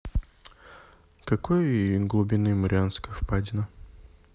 какой глубины марианская впадина